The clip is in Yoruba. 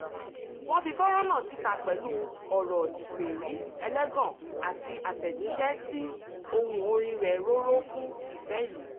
Wọ́n fi fọ́nràn náà síta pẹ̀lú ọ̀rọ̀ ìpèrí ẹlẹ́gàn àti àtẹ̀jíṣẹ́ tí ohùn orin rẹ̀ rorò fún ìfẹ́ ìlú.